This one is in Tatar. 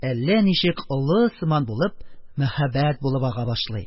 Әллә ничек олысыман булып, мәһабәт булып ага башлый.